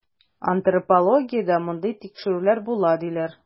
Антропологиядә мондый тикшерүләр була, диләр.